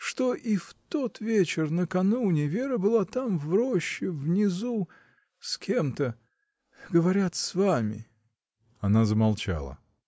— Что и в тот вечер, накануне, Вера была там, в роще, внизу, с кем-то. говорят — с вами. Она замолчала.